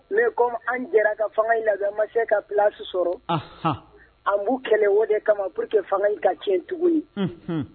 Mɛ ko an jɛra ka fanga in labɛn ma se ka p su sɔrɔ an b'u kɛlɛ o de kama pour que fanga ka tiɲɛ tugun ye